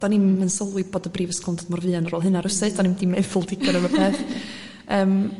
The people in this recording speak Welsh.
'da ni'm yn sylwi bod y Brifysgol yn dod mor fuan ar ôl hynna' rywsud oni'm 'di meddwl digon am y peth